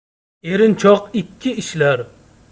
erinchoq ikki ishlar